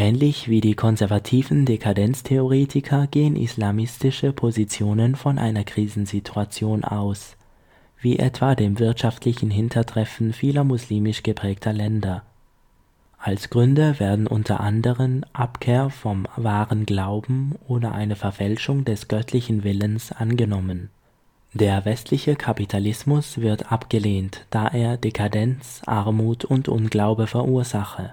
Ähnlich wie die konservativen Dekadenztheoretiker gehen islamistische Positionen von einer Krisensituation aus, wie etwa dem wirtschaftlichen Hintertreffen vieler muslimisch geprägter Länder. Als Gründe werden u.a. Abkehr vom „ wahren Glauben “oder eine Verfälschung des „ göttlichen Willens “angenommen; der westliche Kapitalismus wird abgelehnt, da er Dekadenz, Armut und Unglaube verursache